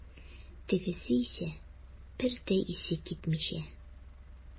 Тегесе исә, бер дә исе китмичә.